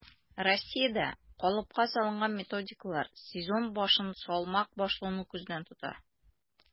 Россиядә калыпка салынган методикалар сезон башын салмак башлауны күздә тота: